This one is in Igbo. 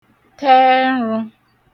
tẹ ẹnrū